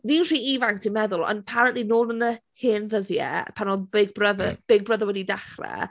Ni'n rhy ifanc dwi'n meddwl ond apparently nôl yn y hen ddyddiau, pan oedd Big Brother Big Brother wedi dechrau...